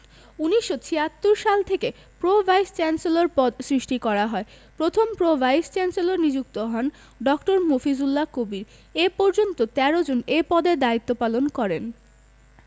১৯৭৬ সাল থেকে pro vice chancellor পদ সৃষ্টি করা হয় প্রথম প্রো ভাইস চ্যান্সেলর নিযুক্ত হন ড. মফিজুল্লাহ কবির এ পর্যন্ত ১৩ জন এ পদে দায়িত্বপালন করেন